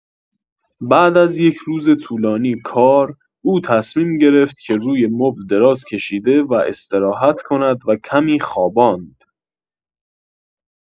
بعد از یک روز طولانی کار، او تصمیم گرفت که روی مبل دراز کشیده و استراحت کند و کمی خواباند.